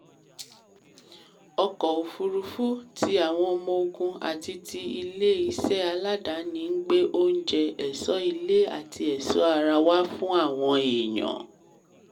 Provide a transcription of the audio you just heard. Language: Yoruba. Ọkọ̀-òfúrufú ti àwọn ọmọ-ogun àti ti ilé-iṣẹ́ aládàáni ń gbé oúnjẹ, ẹ̀ṣọ́ ilé àti ẹ̀ṣọ́ ara wá fún àwọn èèyàn.